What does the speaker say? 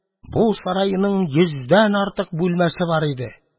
Бу сарайның йөздән артык бүлмәсе бар иде.